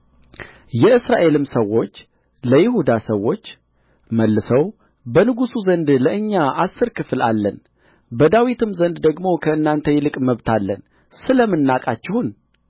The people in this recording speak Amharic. የእስራኤልም ሰዎች ለይሁዳ ሰዎች መልሰው በንጉሡ ዘንድ ለእኛ አሥር ክፍል አለን በዳዊትም ዘንድ ደግሞ ከእናንተ ይልቅ መብት አለን ስለ ምን ናቃችሁን